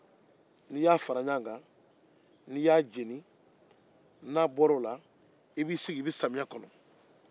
i bɛna mun kɔnɔ ni samiyɛ sera